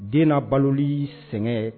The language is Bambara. Den labaloli sɛgɛn